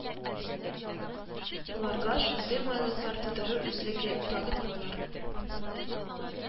Ларга шундый уңайлыклар тудыру үзлеге тагын еллар